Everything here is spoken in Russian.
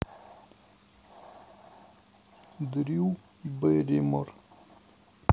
дрю бэрримор